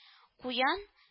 Куян